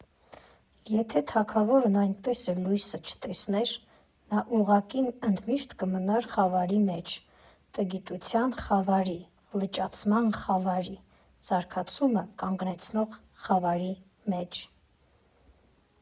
Եթե թագավորն այդպես էլ լույսը չտեսներ, նա ուղղակի ընդմիշտ կմնար խավարի մեջ՝ տգիտության խավարի, լճացման խավարի, զարգացումը կանգնեցնող խավարի մեջ։